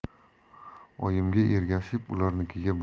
oyimga ergashib ularnikiga